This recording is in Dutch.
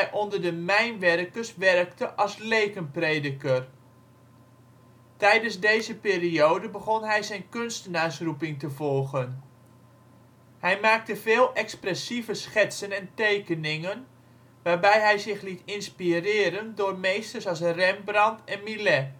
onder de mijnwerkers werkte als lekenprediker. Tijdens deze periode begon hij zijn kunstenaarsroeping te volgen. Hij maakte veel expressieve schetsen en tekeningen, waarbij hij zich liet inspireren door meesters als Rembrandt en Millet